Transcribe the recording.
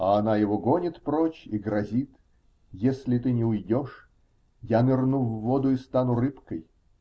А она его гонит прочь и грозит: "Если ты не уйдешь, я нырну в воду и стану рыбкой".